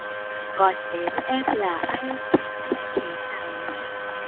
còn nếu em là anh thì sẽ thế nào nhỉ